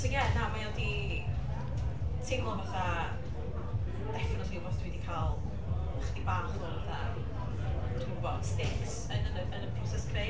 So ie, na, mae o 'di teimlo fatha… Definitely rywbeth dw i di cael chydig bach o fatha, dw i'm yn gwbod, stakes yn yn y yn y proses greu.